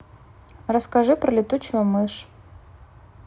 расскажи про летучую мышь